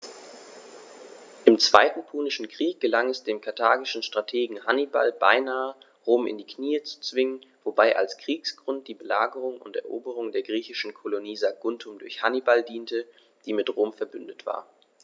Im Zweiten Punischen Krieg gelang es dem karthagischen Strategen Hannibal beinahe, Rom in die Knie zu zwingen, wobei als Kriegsgrund die Belagerung und Eroberung der griechischen Kolonie Saguntum durch Hannibal diente, die mit Rom „verbündet“ war.